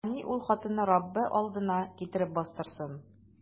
Рухани ул хатынны Раббы алдына китереп бастырсын.